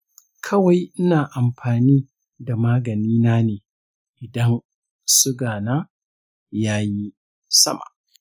kawai ina amfani da maganina ne idan suga na yayi sama.